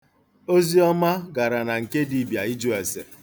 Oziọma gara na nke dibịa ịjụ ase.